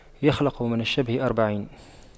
يخلق من الشبه أربعين